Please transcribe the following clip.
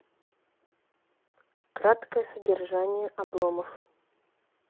краткое содержание обломов